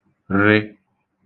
rị